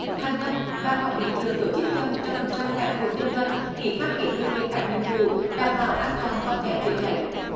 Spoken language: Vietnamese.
hằng năm ban quản lý chợ tổ chức cho một trăm phần trăm các hộ kinh doanh ký cam kết thực hiện các nhiệm vụ đảm bảo an toàn phòng cháy chữa cháy